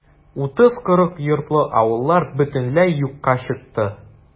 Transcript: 30-40 йортлы авыллар бөтенләй юкка чыкты.